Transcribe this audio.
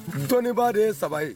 T baden saba ye